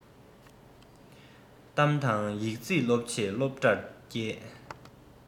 གཏམ དང ཡིག རྩིས སློབ ཆེད སློབ རར བསྐྱེལ